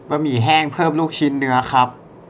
บะหมี่แห้งเพิ่มลูกชิ้นเนื้อครับ